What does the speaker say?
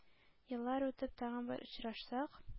Еллар үтеп, тагын бер очрашсак,